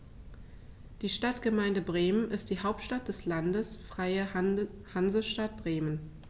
Die Stadtgemeinde Bremen ist die Hauptstadt des Landes Freie Hansestadt Bremen.